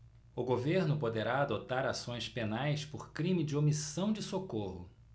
o governo poderá adotar ações penais por crime de omissão de socorro